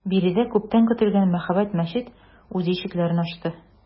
Биредә күптән көтелгән мәһабәт мәчет үз ишекләрен ачты.